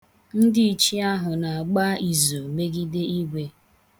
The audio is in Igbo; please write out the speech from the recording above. Ndị ichie ahụ na-agba izu megide Igwe.